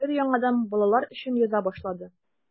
Өр-яңадан балалар өчен яза башлады.